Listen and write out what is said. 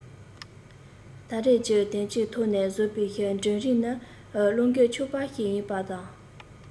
ད རེས ཀྱི དོན རྐྱེན ཐོག ནས བཟོ པའི གྲལ རིམ ནི བློས འགེལ ཆོག པ ཞིག ཡིན པ དང